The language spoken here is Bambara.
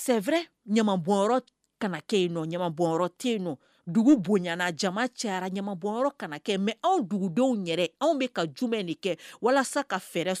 Sɛɛrɛ yen dugu bonanaja cayara ɲabɔ kana kɛ mɛ anw dugudenw yɛrɛ anw bɛ ka jumɛn de kɛ walasa ka fɛɛrɛ